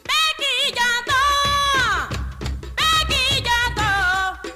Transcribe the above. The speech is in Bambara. I ka ta i ka ta